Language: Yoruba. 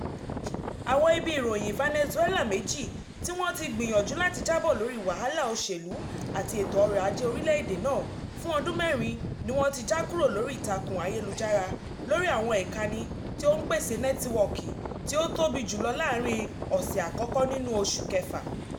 Àwọn ibi ìròyìn Venezuela méjì tí wọ́n ti gbìyànjú láti jábọ̀ lórí wàhálà òṣèlú àti ètò ọ̀rọ̀ ajé orílẹ̀ èdè náà fún ọdún mẹ́rin ni wọ́n ti já kúrò lórí ìtàkùn ayélujára lórí àwọn ìkànnì tí ó ń pèsè nẹ́tíwọ́ọ̀kì tí ó tóbi jùlọ láàárín ọ̀sẹ̀ àkọ́kọ́ nínú oṣù kẹfà.